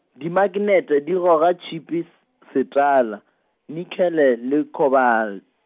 Dimaknete di goga tšhipi s-, se setala, nikhele le khobal-.